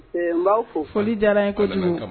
Ee n b'aw fo, foli diyara n ye kojugu